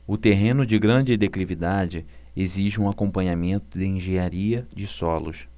o terreno de grande declividade exige um acompanhamento de engenharia de solos